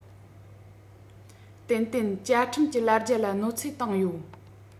ཏན ཏན བཅའ ཁྲིམས ཀྱི ལ རྒྱ ལ གནོད འཚེ བཏང ཡོད